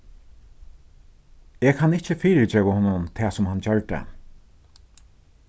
eg kann ikki fyrigeva honum tað sum hann gjørdi